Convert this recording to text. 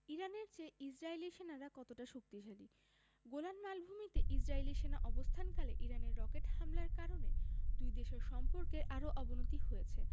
ইরানের চেয়ে ইসরায়েলি সেনারা কতটা শক্তিশালী গোলান মালভূমিতে ইসরায়েলি সেনা অবস্থানকালে ইরানের রকেট হামলার কারণে দুই দেশের সম্পর্কের আরও অবনতি হয়েছে